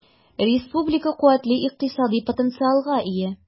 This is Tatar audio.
Республика куәтле икътисади потенциалга ия.